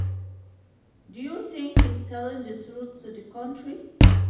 "Do you think he's telling the truth to the country?